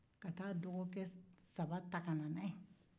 ka taa dɔgɔkɛ saba ta ka na n'a ye